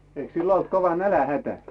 eikös silloin ollut kova nälänhätä